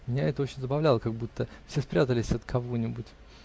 Меня это очень забавляло, "как будто все спрятались от кого-нибудь".